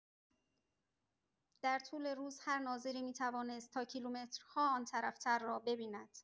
در طول روز هر ناظری می‌توانست تا کیلومترها آن‌طرف‌تر را ببیند.